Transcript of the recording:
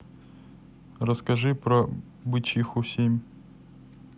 расскажи про бычиху семь